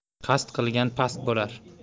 qasd qilgan past bo'lar